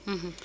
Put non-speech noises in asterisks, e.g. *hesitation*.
*hesitation* *hesitation*